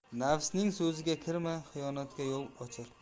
nafsning so'ziga kirma xiyonatga yo'l ochar